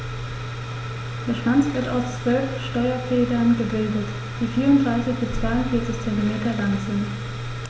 Der Schwanz wird aus 12 Steuerfedern gebildet, die 34 bis 42 cm lang sind.